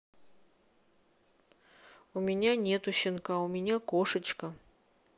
у меня нету щенка у меня кошечка